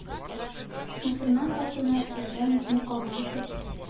Мөселман хатыны ярдәм итми калмас дип